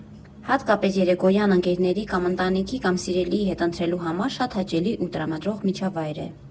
Հատկապես երեկոյան ընկերների կամ ընտանիքի կամ սիրելիի հետ ընթրելու համար շատ հաճելի ու տրամադրող միջավայր է։